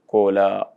Ko